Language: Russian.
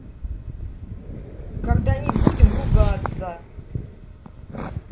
когда не будем ругаться